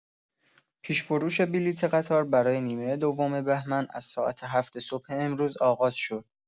پیش‌فروش بلیت قطار برای نیمه دوم بهمن از ساعت ۷ صبح امروز آغاز شد.